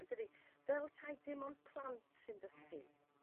yntydi fel 'tai dim ond plant sy'n dysgu.